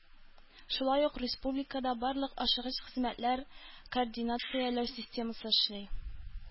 Шулай ук республикада барлык ашыгыч хезмәтләр координацияләү системасы эшли.